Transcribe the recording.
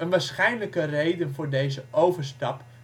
waarschijnlijker reden voor deze overstap